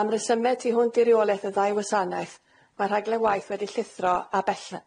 Am resyme tu hwnt i reolaeth y ddau wasanaeth, mae'r rhaglen waith wedi llithro a bella-